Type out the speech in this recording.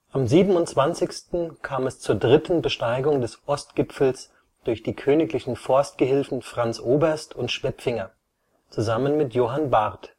Am 27. kam es zur dritten Besteigung des Ostgipfels durch die königlichen Forstgehilfen Franz Oberst und Schwepfinger zusammen mit Johann Barth